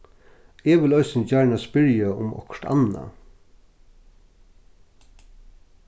eg vil eisini gjarna spyrja um okkurt annað